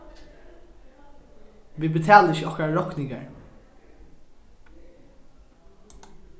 vit betala ikki okkara rokningar